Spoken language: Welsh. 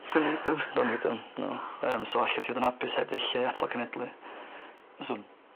Don' need them don' need them no. Yym so allet ti fo' yn apus heb ddulie atal cenedlu? Fyswn.